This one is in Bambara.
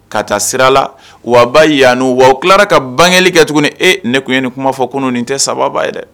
Ka taa sira la wa wa bayanu wa tilara ka bageli kɛ tuguni , ee ne tun ye ni kuma fɔ kunun , nin tɛ sababa ye dɛ.